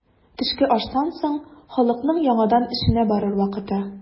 Төшке аштан соң халыкның яңадан эшенә барыр вакыты.